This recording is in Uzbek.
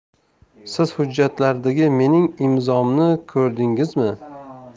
siz hujjatlardagi mening imzomni ko'rdingizmi